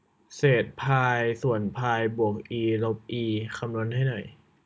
เศษพายส่วนพายบวกอีลบอีคำนวณให้หน่อย